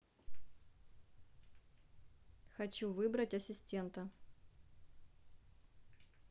хочу выбрать ассистента